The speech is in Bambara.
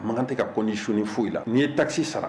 Makan tɛ ka ko soni foyi i la n'i ye ta sara